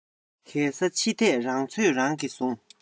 གས ས ཅི ཐད རང ཚོད རང གིས བཟུང